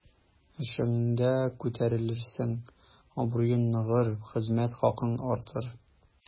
Эшеңдә күтәрелерсең, абруең ныгыр, хезмәт хакың артыр.